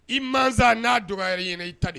I ma n'a dɔgɔ yɛrɛ ɲini i ta di